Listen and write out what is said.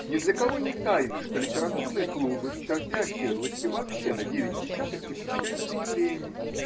Ни для кого не тайна, что литературные клубы в черте оседлости вообще на девять десятых посещаются евреями